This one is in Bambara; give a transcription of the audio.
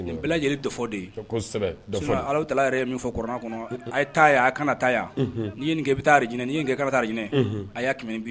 Dɔ de taara min fɔ kɔnɔ a ye ta a kana taa bɛ taa ɲinin kɛ kana taa ɲinininɛ a y'